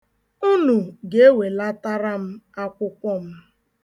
Unu ga-ewelatara m akwụkwọ m.